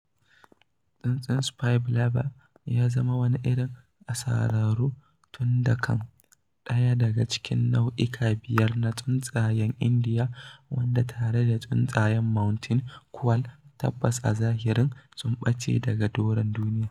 Tsuntsun Spiny Babbler ya zama wani irin asararu tun da can, ɗaya daga cikin nau'ika biyar na tsuntsayen Indiya, wanda, tare da tsuntsun Mountain ƙuail, tabbas a zahirin sun ɓace daga doron duniya.